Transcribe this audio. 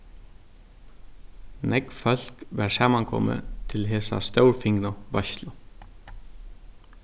nógv fólk var samankomið til hesa stórfingnu veitslu